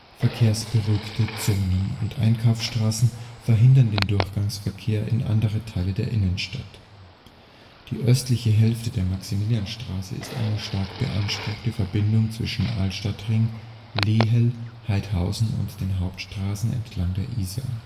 Verkehrsberuhigte Zonen und Einbahnstraßen verhindern den Durchgangsverkehr in andere Teile der Innenstadt. Die östliche Hälfte der Maximilianstraße ist eine stark beanspruchte Verbindung zwischen Altstadtring, Lehel, Haidhausen und den Hauptstraßen entlang der Isar